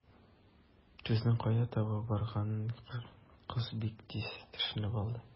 Сүзнең кая таба барганын кыз бик тиз төшенеп алды.